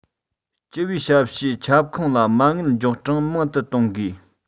སྤྱི པའི ཞབས ཞུའི ཁྱབ ཁོངས ལ མ དངུལ འཇོག གྲངས མང དུ གཏོང དགོས